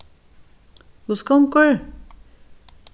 hvussu gongur